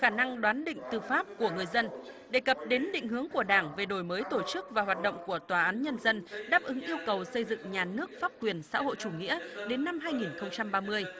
khả năng đoán định tư pháp của người dân đề cập đến định hướng của đảng về đổi mới tổ chức và hoạt động của tòa án nhân dân đáp ứng yêu cầu xây dựng nhà nước pháp quyền xã hội chủ nghĩa đến năm hai nghìn không trăm ba mươi